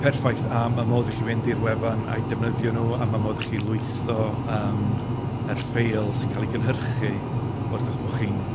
Perffaith, a ma' modd i chi fynd i'r wefan a'i defnyddio nhw, a ma' modd i chi lwytho yym yr ffeil sy'n ca'l 'i gynhyrchu, wrthoch bo' chi'n,